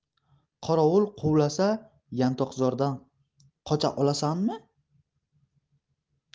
qorovul quvlasa yantoqzordan qocha olasanmi